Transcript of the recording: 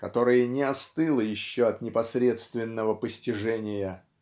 которая не остыла еще от непосредственного постижения!